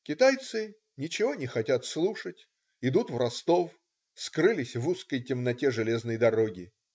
Китайцы ничего не хотят слушать, идут в Ростов, скрылись в узкой темноте железной дороги.